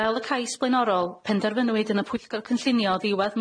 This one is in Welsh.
Fel y cais blaenorol penderfynwyd yn y pwyllgor cynllunio ddiwadd